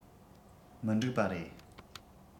མི འགྲིག པ རེད